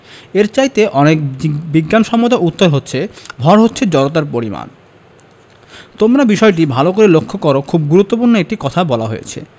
এর চাইতে অনেক জি বিজ্ঞানসম্মত উত্তর হচ্ছে ভর হচ্ছে জড়তার পরিমাপ তোমরা বিষয়টা ভালো করে লক্ষ করো খুব গুরুত্বপূর্ণ একটা কথা বলা হয়েছে